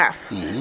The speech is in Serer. kaaf